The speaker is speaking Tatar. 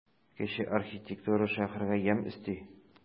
Кече архитектура шәһәргә ямь өсти.